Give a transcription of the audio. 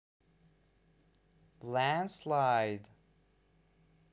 lance lied